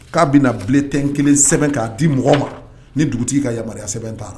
K'a bɛna bulletin kelen sɛbɛn k'a di mɔgɔ ma ni dugutigi ka yamaruya sɛbɛn t’a la